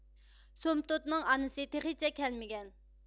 سۇمتوتنىڭ ئانىسى تېخىچە كەلمىگەن